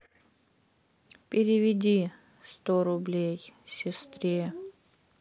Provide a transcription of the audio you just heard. переведи сто рублей сестре